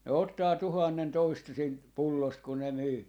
ne ottaa tuhannen toista siitä pullosta kun ne myy